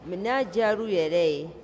mɛ n'a diyar'u yɛrɛ ye